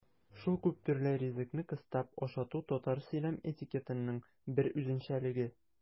Шул күптөрле ризыкны кыстап ашату татар сөйләм этикетының бер үзенчәлеге.